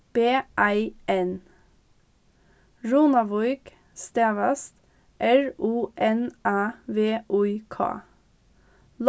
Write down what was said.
b ei n runavík stavast r u n a v í k